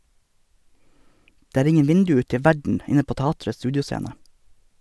Det er ingen vindu ut til verden inne på teatrets studioscene.